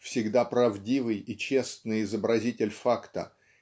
всегда правдивый и честный изобразитель факта